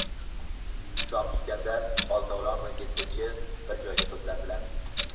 shorn tushganda oltovlon va yettinchi bir joyga to'plandilar